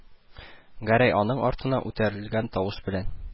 Гәрәй аның артыннан үтерелгән тавыш белән: